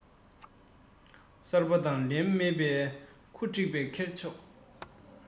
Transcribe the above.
གསར པ དང ལེན མེད པའི ཁུ འཁྲིགས ཀྱི ཁེར ཕྱོགས